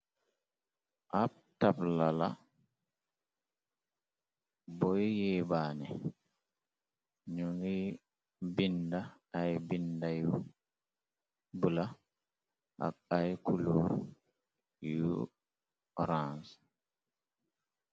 Ab tabla la buye yéebaane nu ngi binda ay binda yu bula ak ay koloor yu orance.